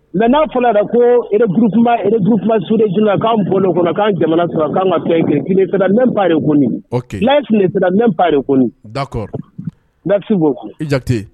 Mais n'a fɔra la ko ereburuba reuru suur jna k'an bolo kɔnɔ k'an jamana su k'an ka fɛn kɛ nrekunsira nre dabo